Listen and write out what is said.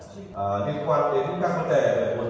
ờ